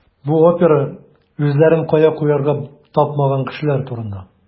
Бу опера үзләрен кая куярга тапмаган кешеләр турында.